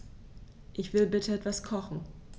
Ich will bitte etwas kochen.